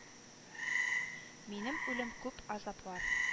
Минем үлем күп азаплар